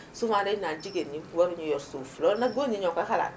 souvent dañu naan jigéen ñi waruñu yor suuf loolu nag góor ñi ñoo koy xalaat